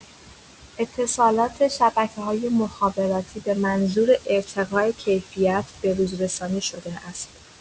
اتصالات شبکه‌های مخابراتی به منظور ارتقاء کیفیت به‌روزرسانی شده است.